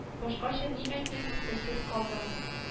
Башкача ни әйтим, телсез калдым